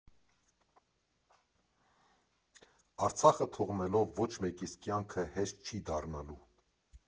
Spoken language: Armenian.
Արցախը թողնելով՝ ոչ մեկիս կյանքը հեշտ չի դառնալու։